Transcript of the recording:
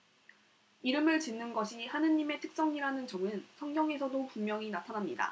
이름을 짓는 것이 하느님의 특성이라는 점은 성경에서도 분명히 나타납니다